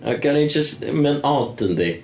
A gawn ni jyst, mae'n od yndi?